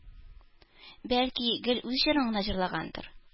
Бәлки, гел үз җырын гына җырлагандыр